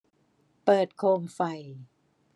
เปิดโคมไฟ